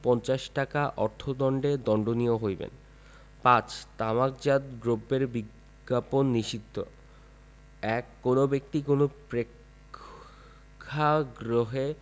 পঞ্চাশ টাকা অর্থদন্ডে দন্ডনীয় হইবেন ৫ তামাকজপাত দ্রব্যের বিজ্ঞাপন নিষিদ্ধঃ ১ কোন ব্যক্তিঃ ক কোন প্রেক্ষগ্রহে